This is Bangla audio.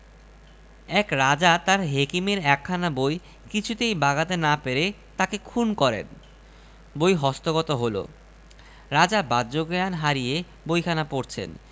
শুনতে পাই এঁরা নাকি জিদকে কখনো ক্ষমা করেন নি আর কত বলব বাঙালীর কি চেতনা হবে তাও বুঝতুম যদি বাঙালীর জ্ঞানতৃষ্ণা না থাকত